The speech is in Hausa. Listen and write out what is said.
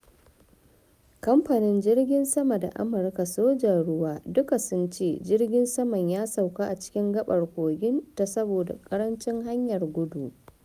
Kamfanin jirgin sama da Amurka Sojan ruwa duka sun ce jirgin saman ya sauka a cikin gabar kogin ta saboda karancin hanyar gudu.